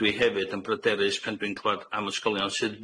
Dwi hefyd yn bryderus pan dwi'n clywad am ysgolion sydd